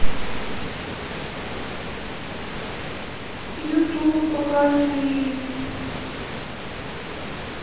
ютуб покажи